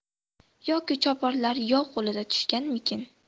yoki choparlar yov qo'liga tushganmikin